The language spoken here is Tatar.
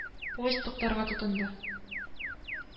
Бүген фатирларга җылылык бирә башладылар.